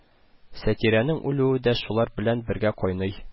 Сатирәнең үлүе дә шулар белән бергә кайный